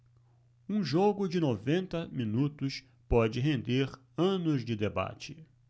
um jogo de noventa minutos pode render anos de debate